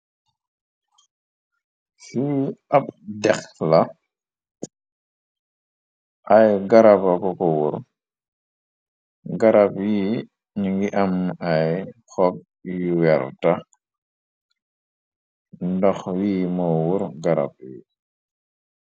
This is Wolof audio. Su ab dex la ay garabako ko wur garab yi ñu ngi am ay xog yu werta ndox yi mo wuur garab yi.